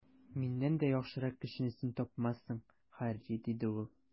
Миннән дә яхшырак кешене син тапмассың, Һарри, - диде ул.